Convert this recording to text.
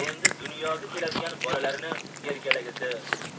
endi dunyoga keladigan bolalarini erkalagisi